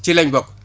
ci lañ bokk